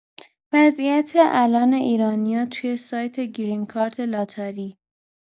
وضعیت الان ایرانیا توی سایت گرین کارت لاتاری